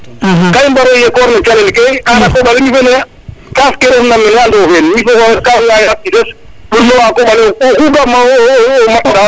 ka i mbaro yekor no calel ke ara koɓale mi fene kaaf ke ndef na mene a ndufel mi fo xoxes kam leya ye oxu ga ma o mata koɓale